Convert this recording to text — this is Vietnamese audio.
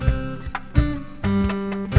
tết